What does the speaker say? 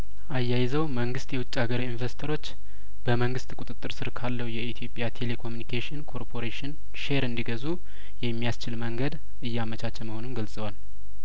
አያይዘው መንግስት የውጭ አገር ኢንቨስተሮች በመንግስት ቁጥጥር ስር ካለው የኢትዮጵያ ቴሌኮሚኒኬሽን ኮርፖሬሽን ሼር እንዲገዙ የሚያስችል መንገድ እያመቻቸ መሆኑን ገልጸዋል